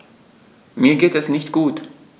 Mir geht es nicht gut.